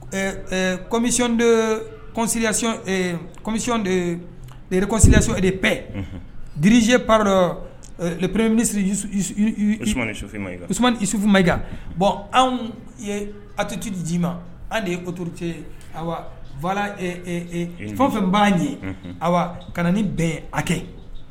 Komiymiyre kɔsilaso e dep dze panr dɔ pre minisiri susufu masufu maja bɔn anw ye atutu di d' ma hali de ye kotourute v fɛn fɛn b' ye ka na ni bɛn a kɛ